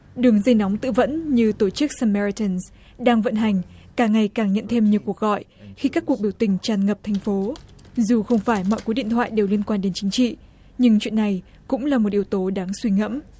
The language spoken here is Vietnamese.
đường dây nóng tự vẫn như tổ chức sa me ri thừn đang vận hành càng ngày càng nhận thêm như cuộc gọi khi các cuộc biểu tình tràn ngập thành phố dù không phải mọi cú điện thoại đều liên quan đến chính trị nhưng chuyện này cũng là một yếu tố đáng suy ngẫm